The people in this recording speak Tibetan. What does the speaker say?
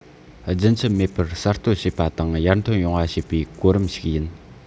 རྒྱུན ཆད མེད པར གསར གཏོད བྱེད པ དང ཡར ཐོན ཡོང བ བྱེད པའི གོ རིམ ཞིག ཡིན